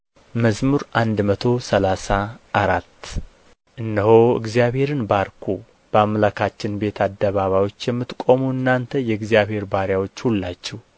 መዝሙር መቶ ሰላሳ አራት እነሆ እግዚአብሔርን ባርኩ በአምላካችን ቤት አደባባዬች የምትቆሙ እናንተ የእግዚአብሔር ባሪያዎች ሁላችሁ